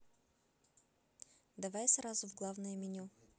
давай сразу в главное меню